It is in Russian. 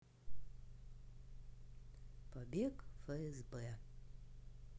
побег фсб